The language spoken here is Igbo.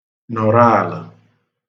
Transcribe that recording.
nọ̀rọ ạ̀lə̣̀